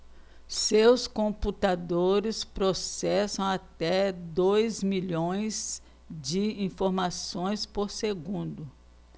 seus computadores processam até dois milhões de informações por segundo